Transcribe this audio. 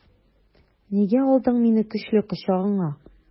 Нигә алдың мине көчле кочагыңа?